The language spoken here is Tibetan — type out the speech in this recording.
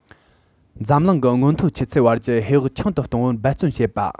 འཛམ གླིང གི སྔོན ཐོན ཆུ ཚད བར གྱི ཧེ བག ཆུང དུ གཏོང བར འབད བརྩོན བྱེད པ